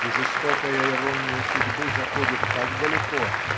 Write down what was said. И жестокая ирония судьбы заходит так далеко